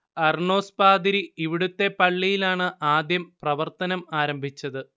Arnos പാതിരി ഇവിടത്തെ പള്ളിയിലാണ് ആദ്യം പ്രവർത്തനം ആരംഭിച്ചത്